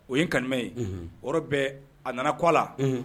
O ye n kaninɛ ye . Unhun O yɔrɔ bɛɛ a nana ku a la